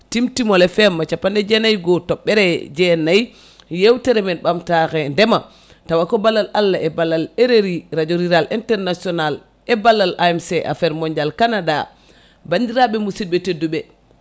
Timtimol FM capanɗe jeenayyi e goho toɓɓere jeenayyi yewtere men ɓamtare ndeema tawa ko ballal Allah e ballal RRI radio rural internation e ballal AMC affaire mondial Canada bandiraɓe musidɓe tedduɓe